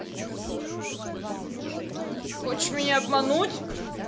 хочешь меня обмануть